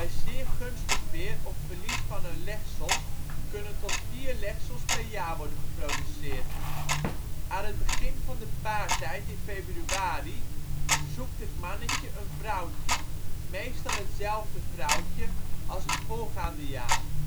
zeer gunstig weer of verlies van een legsel kunnen tot vier legsels per jaar worden geproduceerd. Aan het begin van de paartijd in februari zoekt het mannetje een vrouwtje, meestal hetzelfde vrouwtje als het voorgaande jaar